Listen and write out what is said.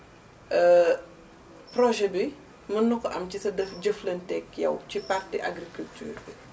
projet bi mën na ko am ci sa jëflante ak yow ci partie agriculture bi